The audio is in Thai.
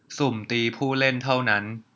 สุ่มตีผู้เล่นเท่านั้น